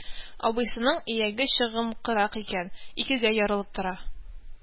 Абыйсының ияге чыгынкырак икән, икегә ярылып тора